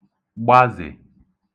gbazè